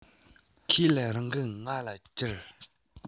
ཁས ལེན རང གིས ང ལ ཅེར